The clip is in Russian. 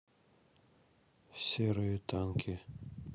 серые танки